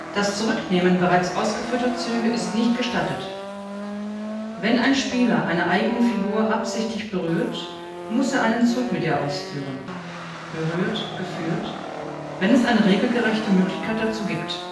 Das Zurücknehmen bereits ausgeführter Züge ist nicht gestattet. Wenn ein Spieler eine eigene Figur absichtlich berührt, muss er einen Zug mit ihr ausführen (berührt – geführt), wenn es eine regelgerechte Möglichkeit dazu gibt